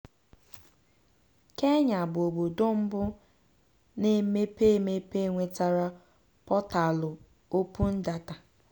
Kenya bụ obodo mbụ na-emepe emepe nwetara pọtalụ Open Data.